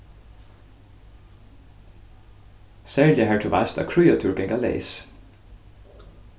serliga har tú veitst at kríatúr ganga leys